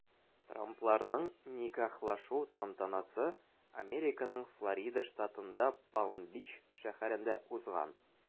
Трампларның никахлашу тантанасы Американың Флорида штатында Палм-Бич шәһәрендә узган.